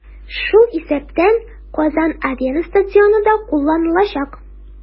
Шул исәптән "Казан-Арена" стадионы да кулланылачак.